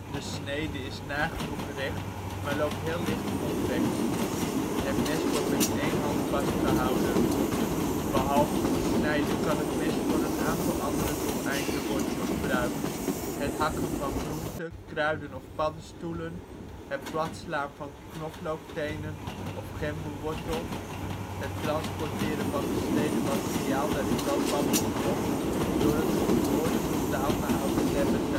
De snede is nagenoeg recht maar loopt heel licht convex. Het mes wordt met 1 hand vastgehouden. Behalve voor snijden kan het mes voor een aantal andere doeleinden worden gebruikt: het hakken van groente, kruiden of paddenstoelen; het platslaan van knoflooktenen of gemberwortel; het transporteren van gesneden materiaal naar de kookpan of wok door het op het horizontaal gehouden lemmet